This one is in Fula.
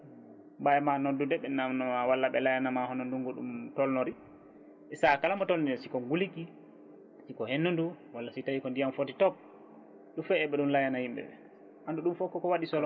mbawema noddude ɓe namdoma walla ɓe layanama hono ndungu ɗum tolnori e saaha kala mbo tolni ko gulki ko hendu ndu walla si tawi ko ndiyam footi toob foof eɓe ɗum layana yimɓeɓe andi ɗum foof koko waɗi solo